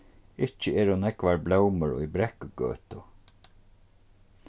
ikki eru nógvar blómur í brekkugøtu